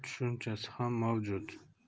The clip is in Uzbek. tushunchasi ham mavjud